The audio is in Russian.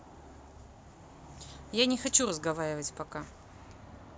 я не хочу разговаривать пока